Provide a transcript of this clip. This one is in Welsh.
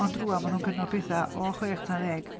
Ond rŵan maen nhw'n cynnal pethau o chwech tan ddeg.